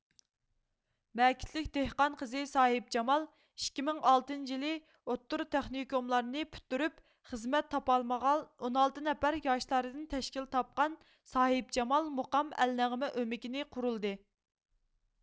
مەكىتلىك دېھقان قىزى ساھىپجامال ئىككى مىڭ ئالتىنچى يىلى ئوتتۇرا تېخنىكوملارنى پۈتتۈرۈپ خىزمەت تاپالمىغان ئون ئالتە نەپەر ياشلاردىن تەشكىل تاپقان ساھىپجامال مۇقام ئەلنەغمە ئۆمىكى نى قۇردى